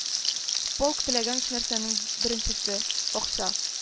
- полк теләгән өч нәрсәнең беренчесе — акча